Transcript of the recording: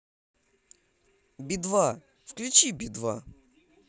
би два включи би два